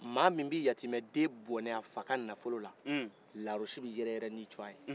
mɔgɔ min bɛ yatimɛ den bɔnɛ a fa ka nafolo la lawurusi bɛ yɛrɛ yɛrɛ nin tɔgɔ ye